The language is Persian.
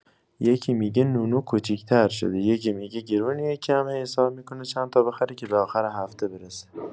یکی می‌گه نونو کوچیک‌تر شده، یکی می‌گه گرونه، یکی هم هی حساب می‌کنه چند تا بخره که به آخر هفته برسه.